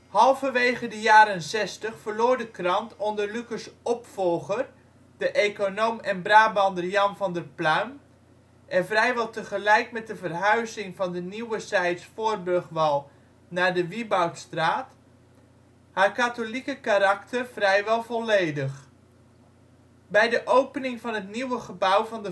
Halverwege de jaren zestig verloor de krant onder Lückers opvolger, de econoom en Brabander Jan van der Pluijm, en vrijwel tegelijk met de verhuizing van de Nieuwezijds Voorburgwal naar de Wibautstraat, haar katholieke karakter vrijwel volledig - bij de opening van het nieuwe gebouw van